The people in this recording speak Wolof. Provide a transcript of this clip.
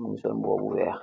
mogi sool mbuba bu weex.